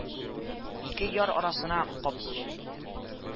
Ике яр арасына кап